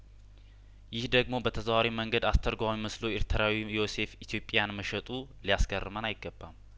ይህ ደግሞ በተዘዋዋሪ መንገድ አስተርጓሚ መስሎ ኤርትራዊው ዮሴፍ ኢትዮጵያን መሸጡ ሊያስ ገርመን አይገባም